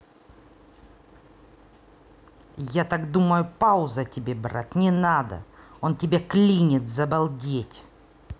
я так думаю пауза тебе брат не надо он тебя клинит забалдеть